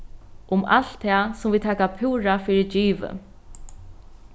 um alt tað sum vit taka púra fyri givið